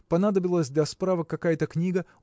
Понадобилась для справок какая-то книга